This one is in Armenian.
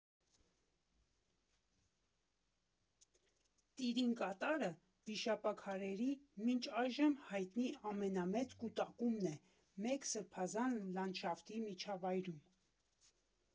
Տիրինկատարը վիշապաքարերի մինչ այժմ հայտնի ամենամեծ կուտակումն է մեկ սրբազան լանդշաֆտի միջավայրում։